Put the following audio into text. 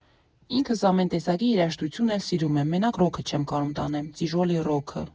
Ինքս ամեն տեսակի երաժշտություն էլ սիրում եմ, մենակ ռոքը չեմ կարում տանեմ, ծիժոլի ռոքը։